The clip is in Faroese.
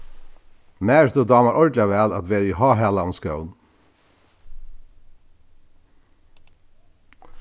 maritu dámar ordiliga væl at vera í háhælaðum skóm